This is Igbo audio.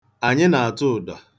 Anyị na-atụ ụdọ.